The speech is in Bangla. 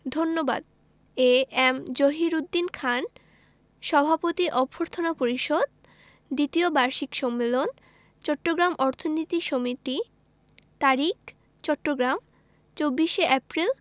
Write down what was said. ধন্যবাদ সভাপতি এ এম জহিরুদ্দিন খান অভ্যর্থনা পরিষদ দ্বিতীয় বার্ষিক সম্মেলন চট্টগ্রাম অর্থনীতি সমিতি তারিখ চট্টগ্রাম ২৪শে এপ্রিল